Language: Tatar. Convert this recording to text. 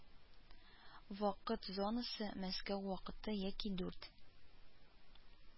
Вакыт зонасы Мәскәү вакыты яки дүрт